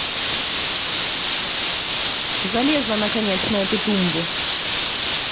залезла наконец на эту тумбу